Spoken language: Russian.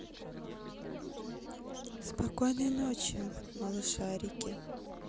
спокойной ночи малышарики